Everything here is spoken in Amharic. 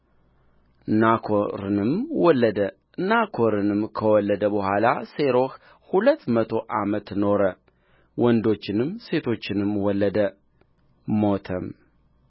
ናኮርንም ወለደ ናኮርንም ከወለደ በኋላ ሴሮሕ ሁለት መቶ ዓመት ኖረ ወንዶችንም ሴቶችንም ወለደ ሞተም